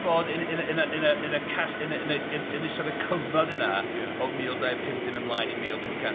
Bod yn y... yn y... yn y... yn y casg- yn y... yn ystod y cyfnod yna o mil dau pump dim ymlaen i mil pump cant...